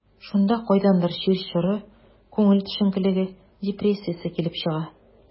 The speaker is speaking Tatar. Шунда кайдандыр чир чоры, күңел төшенкелеге, депрессиясе килеп чыга.